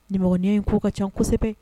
Nimɔgɔniya in kow ka can kosɛbɛ